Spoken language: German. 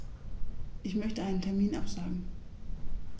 Ich möchte einen Termin absagen.